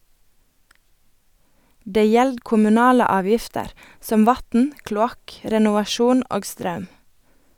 Det gjeld kommunale avgifter som vatn, kloakk, renovasjon og straum.